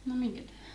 no minkä tähden